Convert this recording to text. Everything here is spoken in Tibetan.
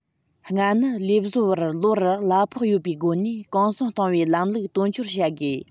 ལྔ ནི ལས བཟོ པར ལོ རེར གླ ཕོགས ཡོད པའི སྒོ ནས གུང སེང གཏོང བའི ལམ ལུགས དོན འཁྱོལ བྱ དགོས